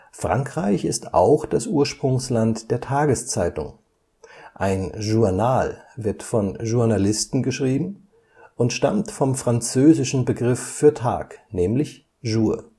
Frankreich ist auch das Ursprungsland der Tageszeitung, ein Journal wird von Journalisten geschrieben und stammt vom französischen Begriff für Tag: jour